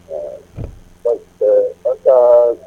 Ɛɛ fa fakan